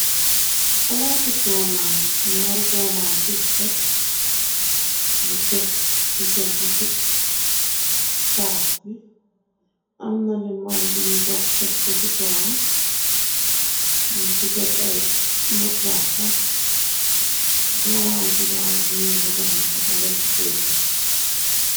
Palaati gomans ñaari goman si tekk ñu tekg kecob bi. Ci bukas bi amna li moon bun dog tekko ci kowam liñ ci def. Ay mutata gomanigal nini buganen ko ta lekki gaytu.